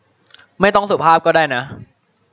ไม่ต้องสุภาพก็ได้นะ